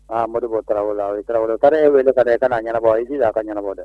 Mɔ bɔ a e weele ka i ka ɲɛnaanabɔ i ji la a ka ɲɛna dɛ